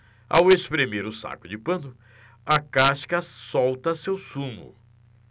ao espremer o saco de pano a casca solta seu sumo